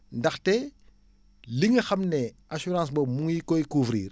ndaxte li nga xam ne assurance boobu mu ngi koy couvrir